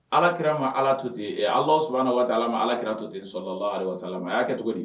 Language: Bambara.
Alakira ma Ala to ten, ɛɛ Allahou Soubhana wa ta Ala ma alakira to ten a y'a kɛ cogo di?